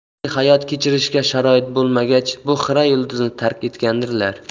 balki hayot kechirishga sharoit qolmagach bu xira yulduzni tark etgandirlar